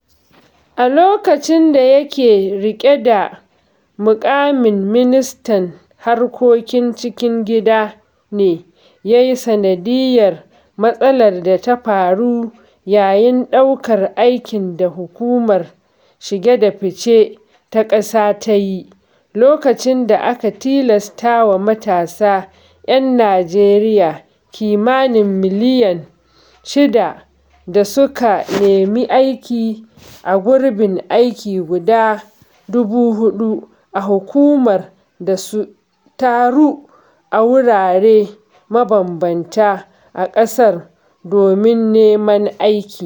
A lokacin da yake riƙe da muƙamin ministan harkokin cikin gida ne yayi sandiyyar matsalar da ta faru yayin ɗaukar aikin da Hukumar Shige da Fice ta ƙasa ta yi, lokacin da aka tilastawa matasa 'yan Nijeriya kimanin miliyan 6 da suka nemi aiki a gurbin aiki guda 4000 a hukumar da su taru a wurare mabambamta a ƙasar don neman aikin.